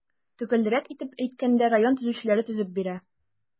Төгәлрәк итеп әйткәндә, район төзүчеләре төзеп бирә.